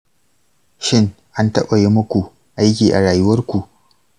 shin an taba yi maku aiki a rayuwarku?